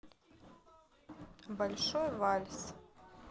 большой вальс